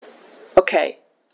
Okay.